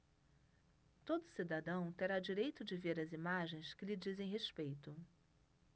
todo cidadão terá direito de ver as imagens que lhe dizem respeito